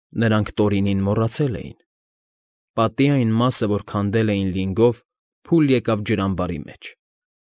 Նրանք Տորինին մոռացել էին։ Պատի այն մասը, որ քանդել էին լինգով, փուլ եկավ ջրամբարի մեջ։